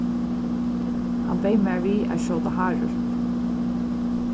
hann beyð mær við at skjóta harur